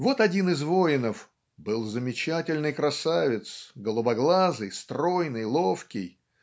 Вот один из воинов "был замечательный красавец голубоглазый стройный ловкий.